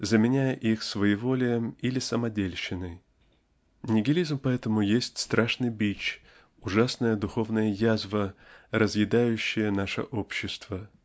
заменяя их своеволием или самодельщиной. Нигилизм поэтому есть страшный бич ужасная духовная язва разъедающая наше общество.